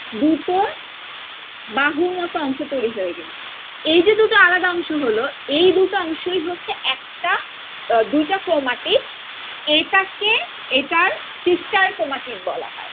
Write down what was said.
দুটো বাহুর মত অংশ তৈরি হয়ে গেল এই যে দুটো আলাদা অংশ হল এ দুটো অংশই হচ্ছে একটা দুইটা ক্রোমাটিড এটা কে এটার সিস্টার ক্রোমাটিড বলা হয়